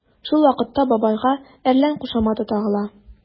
Шул вакытта бабайга “әрлән” кушаматы тагыла.